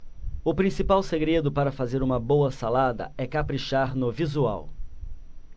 o principal segredo para fazer uma boa salada é caprichar no visual